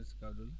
sikka ɗon